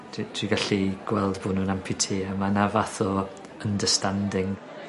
dw- dwi'n gallu gweld bo' nw'n amputee a ma' 'na fath o understanding.